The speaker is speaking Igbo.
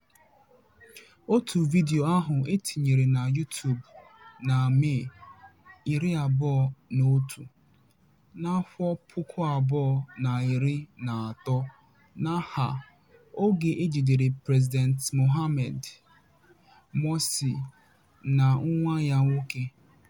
Otu vidiyo ahụ e tinyere na YouTube na Mee 21, 2013 n'aha "Oge e jidere President Mohamed Morsi na nwa ya nwoke."